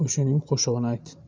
o'shaning qo'shig'ini ayt